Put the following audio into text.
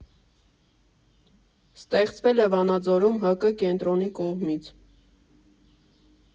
Ստեղծվել է վանաձորյան ՀԿ կենտրոնի կողմից։